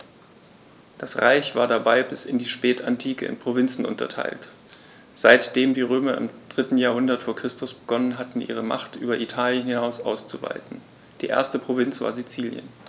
Das Reich war dabei bis in die Spätantike in Provinzen unterteilt, seitdem die Römer im 3. Jahrhundert vor Christus begonnen hatten, ihre Macht über Italien hinaus auszuweiten (die erste Provinz war Sizilien).